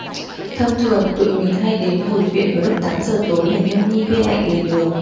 thông thường tụi mình hay đến bùi viện vào lúc tám giờ tối để nhâm nhi bia lạnh lề đường